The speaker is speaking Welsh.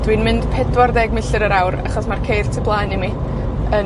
Dwi'n mynd pedwar ddeg milltir yr awr, achos ma'r ceir tu blaen i mi yn